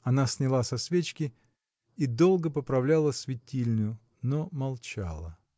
Она сняла со свечки и долго поправляла светильню, но молчала.